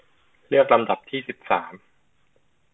เลือกลำดับที่สิบสาม